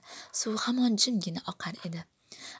suv hamon jim gina oqar edi